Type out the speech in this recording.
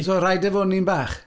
So rhaid e fod yn un bach?